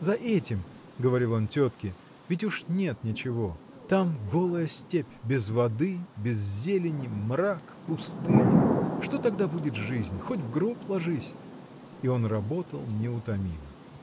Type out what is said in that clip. За этим, – говорил он тетке, – ведь уж нет ничего там голая степь без воды без зелени мрак пустыня – что тогда будет жизнь? хоть в гроб ложись! И он работал неутомимо.